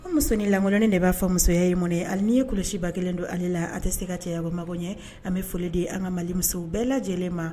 Ko musonin ni lawalekolonɛ ne de b'a fɔ musoya ye mɔn hali ye kɔlɔsiba kelen don ale la a tɛ se ka cɛ bɔ mago ɲɛ an bɛ foli di an ka mali musow bɛɛ lajɛlen ma